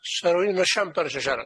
S'a r'wun yn y siambr isio siarad?